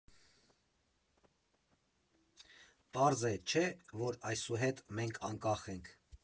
Պարզ է, չէ՞, որ այսուհետ մենք անկախ ենք։